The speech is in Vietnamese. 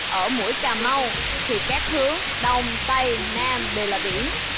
ở mũi cà mau thì các hướng đông tây nam đều là biển